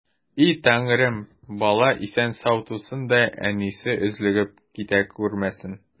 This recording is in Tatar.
И Тәңрем, бала исән-сау тусын да, әнисе өзлегеп китә күрмәсен!